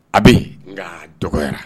A bɛ yen nka dɔgɔyara